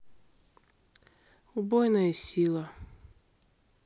убойная сила